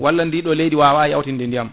walla ndi ɗo leydi wawa yawtinde ndiyam